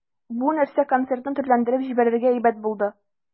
Бу нәрсә концертны төрләндереп җибәрергә әйбәт булды.